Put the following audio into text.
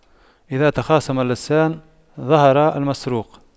إذا تخاصم اللصان ظهر المسروق